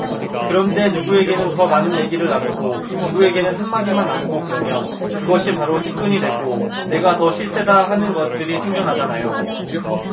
그런데 누구에는 더 많은 얘기를 나누고 누구에게는 한 마디만 나누고 그러면 그것이 바로 측근이 되고 내가 더 실세다 하는 것들이 생겨나잖아요